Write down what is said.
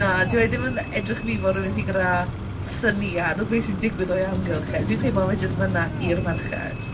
Na dyw e ddim yn edrych i fi fel rhywun sydd gyda syniad o beth sy'n digwydd o'i amgylch e. Dwi'n credu mae fe jyst fan'na i'r merched.